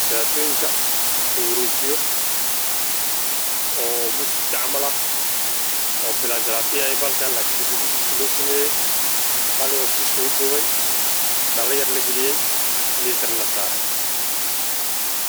Waa jalaato buskud camal midabkeedu yahay jaallo